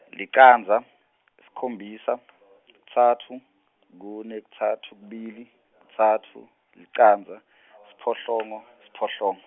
licandza, sikhombisa , kutsatfu, kune, kutsatfu, kubili, kutsatfu, licandza , siphohlongo, siphohlongo.